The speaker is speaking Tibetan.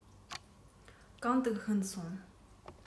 གང དུ ཕྱིན སོང